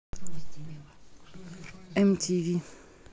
м тиви